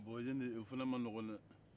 bon o fana man nɔgɔ de